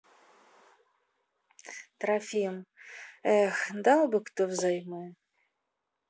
трофим эх дал бы кто взаймы